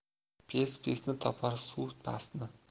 pes pesni topar suv pastni